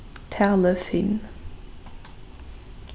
talið fimm